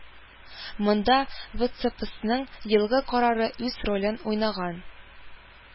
Монда ВЦСПСның елгы карары үз ролен уйнаган